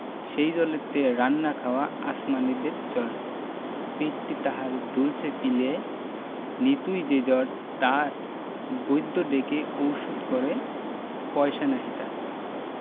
সেই জলেতে রান্না খাওয়া আসমানীদের চলে পেটটি তাহার দুলছে পিলেয় নিতুই যে জ্বর তার বৈদ্য ডেকে ওষুধ করে পয়সা নাহি তার